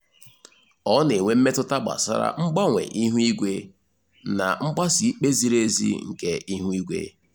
Ọ na-enwe mmetụta gbasara mgbanwe ihu igwe na mgbaso ikpe ziri ezi nke ihu igwe.